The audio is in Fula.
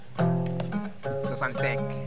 65